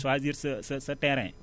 choisir sa sa sa terrain